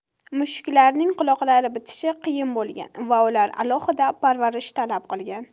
mushuklarning quloqlari bitishi qiyin bo'lgan va ular alohida parvarish talab qilgan